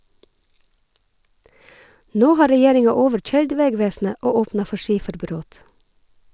Nå har regjeringa overkøyrd vegvesenet og opna for skiferbrot.